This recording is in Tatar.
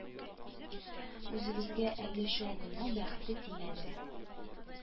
Үзебезгә әле чабыну бәхете тимәде